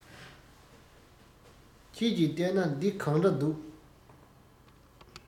ཁྱེད ཀྱི ལྟས ན འདི གང འདྲ འདུག